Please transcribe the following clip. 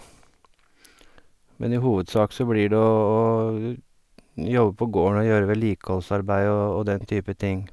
Men i hovedsak så blir det å å jobbe på gården og gjøre vedlikeholdsarbeid å og den type ting.